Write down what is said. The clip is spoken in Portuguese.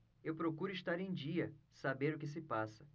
eu procuro estar em dia saber o que se passa